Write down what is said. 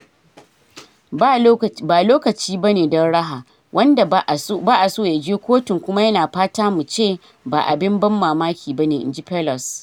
"Ba lokaci ba ne don raha, wanda ba'a so ya je kotun kuma yana fata mu ce, 'ba abin ban mamaki ba ne,' in ji Pelos.